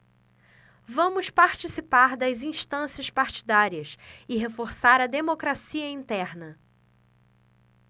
vamos participar das instâncias partidárias e reforçar a democracia interna